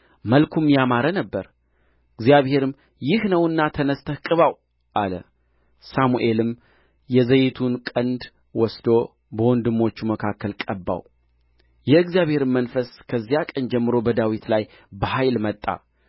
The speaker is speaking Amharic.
መልኩም ያማረ ነበረ እግዚአብሔርም ይህ ነውና ተነሥተህ ቅባው አለ ሳሙኤልም የዘይቱን ቀንድ ወስዶ በወንድሞቹ መካከል ቀባው የእግዚአብሔርም መንፈስ ከዚያ ቀን ጀምሮ በዳዊት ላይ በኃይል መጣ